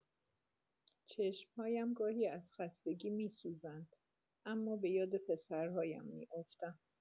چشم‌هایم گاهی از خستگی می‌سوزند اما بۀاد پسرهایم می‌افتم.